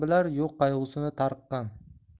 bilar yo'q qayg'usini tariqqan